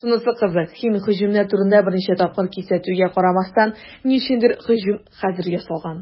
Шунысы кызыклы, химик һөҗүмнәр турында берничә тапкыр кисәтүгә карамастан, ни өчендер һөҗүм хәзер ясалган.